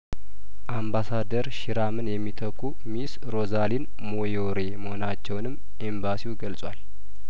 አምባሳደር ሺራምን የሚተኩ ሚስ ሮዛ ሊን ሞዮሬ መሆናቸውንም ኤምባሲው ገልጿል